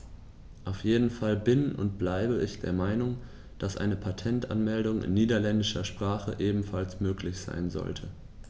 Auf jeden Fall bin - und bleibe - ich der Meinung, dass eine Patentanmeldung in niederländischer Sprache ebenfalls möglich sein sollte.